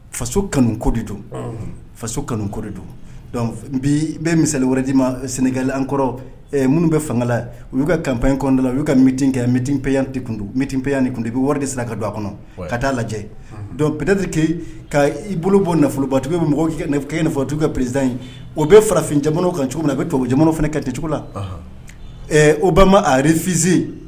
Faso kanuko de don faso kanuko de don bi bɛɛ misali wɛrɛ' ma sɛnɛli an kɔrɔ minnu bɛ fangala u y'u ka kanpy kɔnda la u'u ka miti kɛ mipyyanti tuntipyyan ni de bɛ wari de siran ka don a kɔnɔ ka taa a lajɛ dɔnc pptete ke ka i bolo bɔ nafoloba tu bɛ mɔgɔw kɛ nin fɔ tu ka perez in o bɛ farafinja kan cogo min na a bɛ to jamana fana kacogo la o ba ma ari fiz